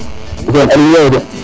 Aliou Ndiaye